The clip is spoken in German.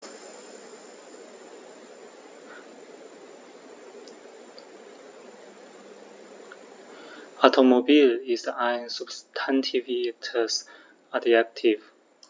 Automobil ist ein substantiviertes Adjektiv.